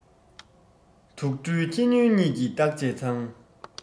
དུག སྦྲུལ ཁྱི སྨྱོན གཉིས ཀྱི བརྟག དཔྱད ཚང